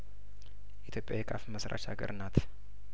ኢትዮጵያ የካፍ መስራች ሀገርናት